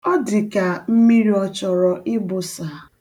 Ọ dịka mmiri ọ chọrọ ịbụsa.